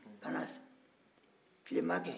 ka na tilema kɛ